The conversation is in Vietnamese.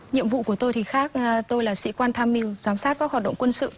nhiệm vụ của tôi thì khác tôi là sĩ quan tham mưu giám sát các hoạt động quân sự